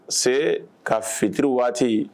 Se ka fitiri waati